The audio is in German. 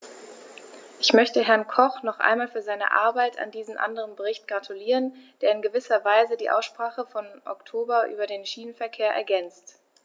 Ich möchte Herrn Koch noch einmal für seine Arbeit an diesem anderen Bericht gratulieren, der in gewisser Weise die Aussprache vom Oktober über den Schienenverkehr ergänzt.